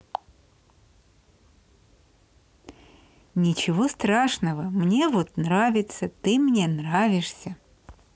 ничего страшного мне вот нравится ты мне нравишься